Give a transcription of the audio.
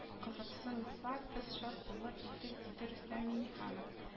Кызыксын са, без шат булыр идек, - диде рөстәм миңнеханов